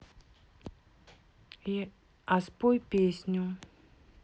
а спой песню